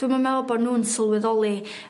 Dwi'm yn meddwl bo' nw'n sylweddoli